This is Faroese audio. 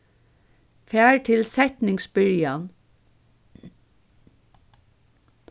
far til setningsbyrjan